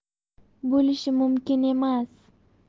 bo'lishi mumkin emas